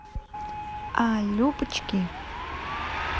а любочки